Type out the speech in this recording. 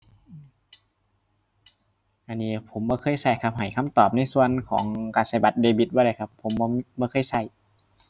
อันนี้ผมบ่เคยใช้ครับ ให้คำตอบในส่วนของการใช้บัตรเดบิตบ่ได้ครับ ผมบ่ บ่เคยใช้